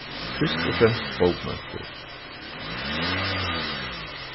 fyrst og fremst bókmentir